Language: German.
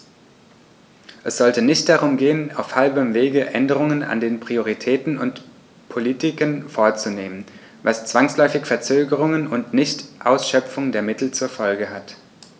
Es sollte nicht darum gehen, auf halbem Wege Änderungen an den Prioritäten und Politiken vorzunehmen, was zwangsläufig Verzögerungen und Nichtausschöpfung der Mittel zur Folge hat.